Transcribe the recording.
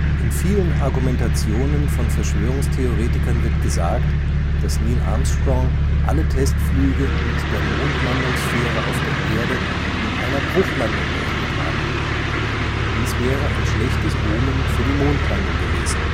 In vielen Argumentationen von Verschwörungstheoretikern wird gesagt, dass Neil Armstrong alle Testflüge mit der Mondlandungsfähre auf der Erde mit einer Bruchlandung beendet habe. Dies wäre ein schlechtes Omen für die Mondlandung gewesen